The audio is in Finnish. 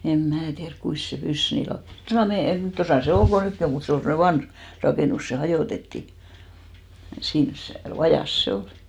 en minä tiedä kuinka se pyssy niin - tuossa meidän tuossa se oli kun nytkin on mutta se oli semmoinen vanha rakennus se hajotettiin siinä se vajassa se oli